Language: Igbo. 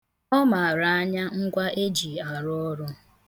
Ọ mara anya ngwa eji arụ ụlọ.